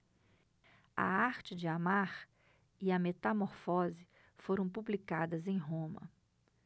a arte de amar e a metamorfose foram publicadas em roma